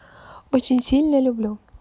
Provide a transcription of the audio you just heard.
очень сильно люблю